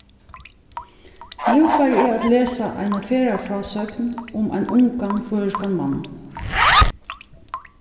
nú fari eg at lesa eina ferðafrásøgn um ein ungan føroyskan mann